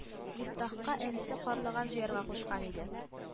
Мифтахка әнисе карлыган җыярга кушкан иде